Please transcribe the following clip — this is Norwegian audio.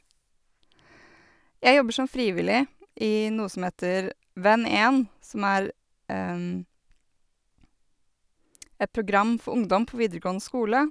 Jeg jobber som frivillig i noe som heter Venn 1, som er et program for ungdom på videregående skole.